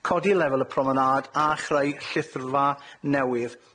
codi lefel y promenâd, a chreu llithrfa newydd.